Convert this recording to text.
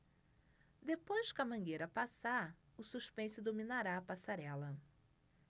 depois que a mangueira passar o suspense dominará a passarela